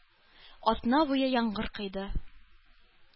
Атна буе яңгыр койды.